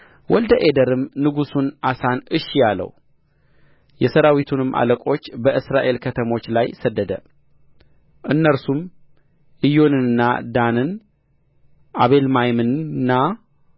ወልደ አዴር ንጉሡን አሳን እሺ አለው የሠራዊቱም አለቆች በእስራኤል ከተሞች ላይ ሰደደ እነርሱም ዒዮንንና ዳንን አቤልማይምንና